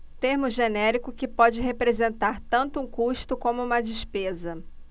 termo genérico que pode representar tanto um custo como uma despesa